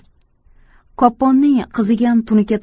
kopponning qizigan tunuka